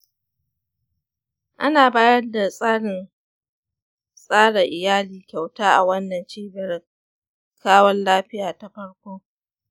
ana bayar da tsarin tsara iyali kyauta a wannan cibiyar kiwon lafiya ta farko.